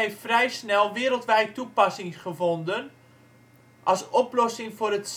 vrij snel wereldwijd toepassing gevonden als oplossing voor het